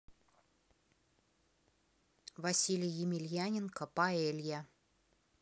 василий емельяненко паэлья